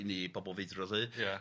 ...i ni, bobl feidrol 'lly... Ia